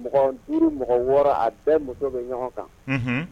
Duuru mɔgɔ wɔɔrɔ a bɛɛ muso bɛ ɲɔgɔn kan